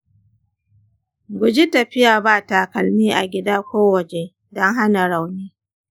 guji tafiya ba takalmi a gida ko waje don hana rauni.